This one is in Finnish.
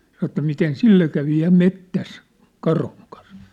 sanoi että miten sille kävi ja metsässä karhun kanssa